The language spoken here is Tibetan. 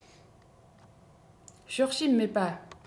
ཕྱོགས ཞེན མེད པ